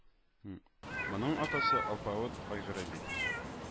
Моның атасы алпавыт айгыры бит